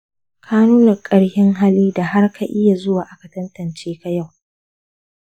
ka nuna karfin hali da har ka iya zuwa a tantanceka yau.